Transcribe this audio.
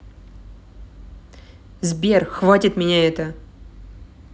сбер хватит меня это